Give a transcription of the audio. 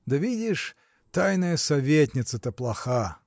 – Да видишь: тайная советница-то плоха.